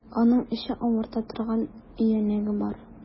Аның эче авырта торган өянәге бар.